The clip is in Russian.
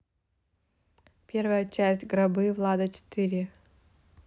первая часть гробы влада четыре